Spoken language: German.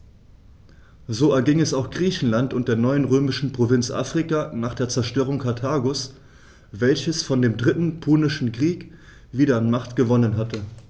So erging es auch Griechenland und der neuen römischen Provinz Afrika nach der Zerstörung Karthagos, welches vor dem Dritten Punischen Krieg wieder an Macht gewonnen hatte.